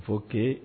Fo ko